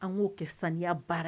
An k'o kɛ saniya baara ye